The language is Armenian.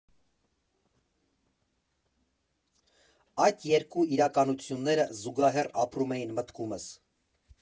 Այդ երկու իրականությունները զուգահեռ ապրում էին մտքումս։